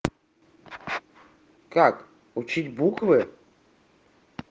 как учить буквы